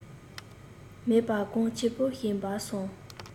མེད པར གངས ཆེན པོ ཞིག བབས སོང